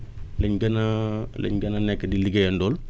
lañ gën a lañ gën a nekk di liggéeyandool